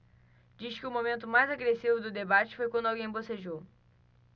diz que o momento mais agressivo do debate foi quando alguém bocejou